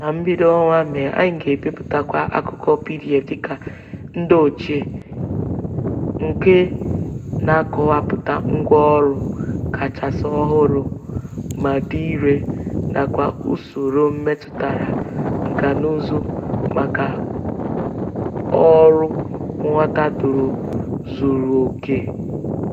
Ná mbido ọnwa Mee, anyị ga-ebipụtakwa akụkọ PDF dịka ndị ochie nke na-akọwapụta ngwáọrụ kachasị ọhụrụ ma dị irè nakwa usoro metụtara nkànaụzụ maka ọrụ nghọta doro zuru oke.